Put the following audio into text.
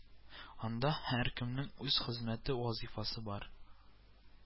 Анда һәркемнең үз хезмәте, вазыйфасы бар